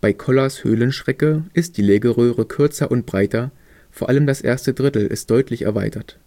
Kollars Höhlenschrecke ist die Legeröhre kürzer und breiter, vor allem das erste Drittel ist deutlich erweitert